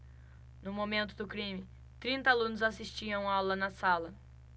no momento do crime trinta alunos assistiam aula na sala